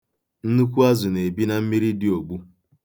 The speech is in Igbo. Nnukwu azụ na-ebi na mmiri dị ogbu.